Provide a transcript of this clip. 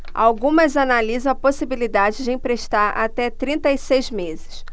algumas analisam a possibilidade de emprestar até trinta e seis meses